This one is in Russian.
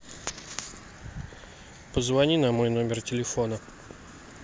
позвони на мой номер телефона